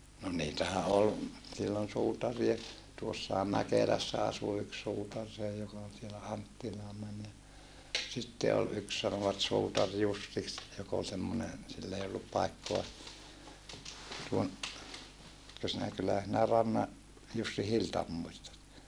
no niitähän oli silloin suutareita tuossahan Mäkelässä asui yksi suutari se joka oli siellä Anttilaan meni ja sitten oli yksi sanoivat suutari Jussiksi joka oli semmoinen sillä ei ollut paikkaa tuon etkö sinä kyllähän sinä Rannan Jussin Hiltan muistat